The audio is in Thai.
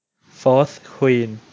โฟธควีน